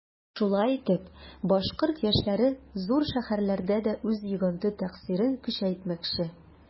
Шулай итеп башкорт яшьләре зур шәһәрләрдә дә үз йогынты-тәэсирен көчәйтмәкче.